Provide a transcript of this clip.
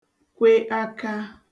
kwe aka